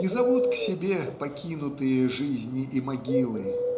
и зовут к себе покинуше жизни и могилы.